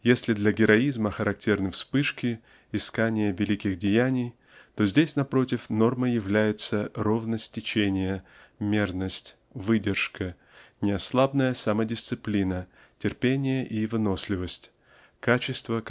Если для героизма характерны вспышки искание великих деяний то здесь напротив нормой является ровность течения "мерность" выдержка неослабная самодисциплина терпение и выносливость -- качества